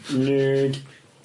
Nerd.